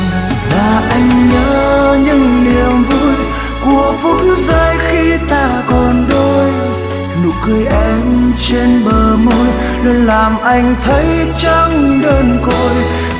và anh nhớ những niềm vui của phút giây khi ta còn đôi nụ cười em trên bờ môi luôn làm anh thấy chẳng đơn côi